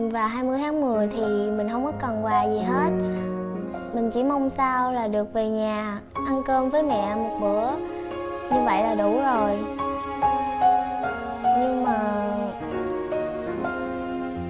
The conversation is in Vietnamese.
vào hai mươi tháng mười thì mình không cần quà gì hết mình chỉ mong sao là được về nhà ăn cơm với mẹ một bữa như vậy là đủ rồi nhưng mà